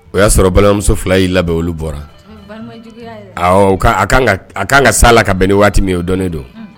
O y'a sɔrɔ balimamuso fila y'i labɛn bɔra a kan ka sa la ka bɛn ni waati min o dɔnnen don